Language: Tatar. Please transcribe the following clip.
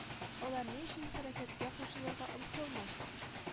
Алар ни өчен хәрәкәткә кушылырга омтылмый